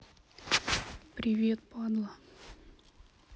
привет падла